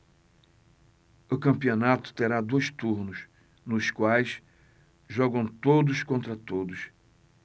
o campeonato terá dois turnos nos quais jogam todos contra todos